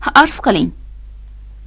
arz qiling